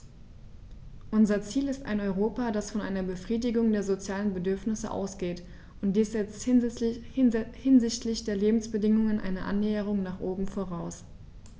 Unser Ziel ist ein Europa, das von einer Befriedigung der sozialen Bedürfnisse ausgeht, und dies setzt hinsichtlich der Lebensbedingungen eine Annäherung nach oben voraus.